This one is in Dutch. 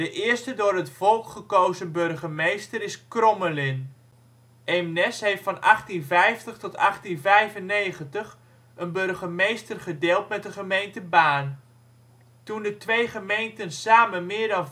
eerste door het volk gekozen burgemeester is Crommelin. Eemnes heeft van 1850-1895 een burgemeester gedeeld met de gemeente Baarn. Toen de twee gemeenten samen meer dan